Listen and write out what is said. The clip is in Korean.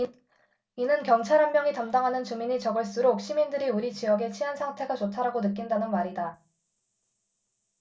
이는 경찰 한 명이 담당하는 주민이 적을수록 시민들이 우리 지역의 치안 상태가 좋다라고 느낀다는 말이다